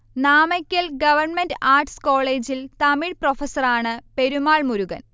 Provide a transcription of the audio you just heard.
Namakkal government arts കോളേജിൽ തമിഴ് പ്രൊഫസറാണ് പെരുമാൾ മുരുഗൻ